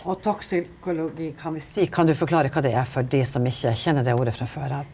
og toksikologi kan vi seia kan du forklare kva det er for dei som ikkje kjenner det ordet frå før av?